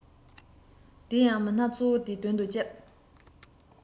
དེ ཡང མི སྣ གཙོ བོ དེའི དོན དུ ལྕེབས